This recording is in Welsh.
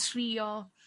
...trio.